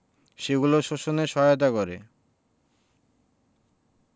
সেগুলো শোষণে সহায়তা করে